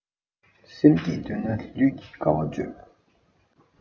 སེམས སྐྱིད འདོད ན ལུས ཀྱིས དཀའ བ སྤྱོད